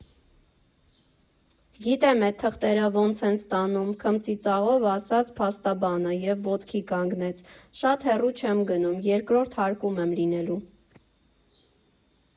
Գիտեմ էդ թղթերը ոնց են ստանում, ֊ քմծիծաղով ասաց փաստաբանը և ոտքի կանգնեց, ֊ շատ հեռու չեմ գնում, երկրորդ հարկում եմ լինելու։